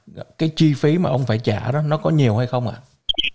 dạ cái chi phí mà ông phải trả đó nó có nhiều hay không ạ